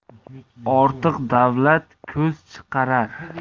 ortiq davlat ko'z chiqarar